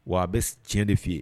Wa a bɛ tiɲɛ de f'i yen